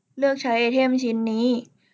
เลือกใช้ไอเทมชิ้นนี้